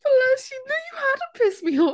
Ellis, you know you hadn't pissed me off.